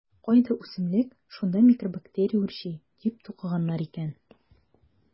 Кайда үсемлек - шунда микроб-бактерия үрчи, - дип тукыганнар икән.